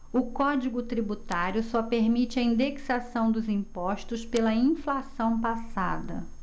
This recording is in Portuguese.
o código tributário só permite a indexação dos impostos pela inflação passada